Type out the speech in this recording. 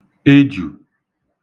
ejù